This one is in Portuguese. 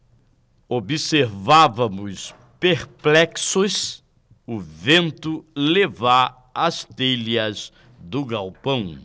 observávamos perplexos o vento levar as telhas do galpão